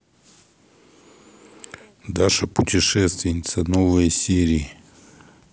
даша путешественница новые серии